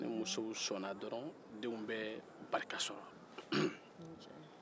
ni musow sɔnna dɔrɔn denw bɛ barika sɔrɔ